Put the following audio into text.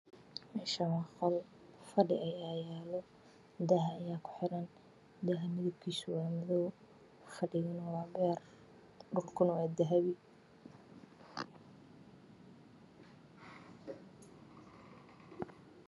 Meeshaan waxaa iga muuqda qol fadhi ayaa daah midabkiisa madow dhulkana waa dahabi